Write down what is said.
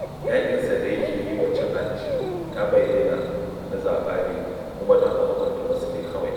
Yaƙinsa da yake yi wa cin hanci ta bayyana na zaɓa ne kuma don a hukunta wasu ne kawai.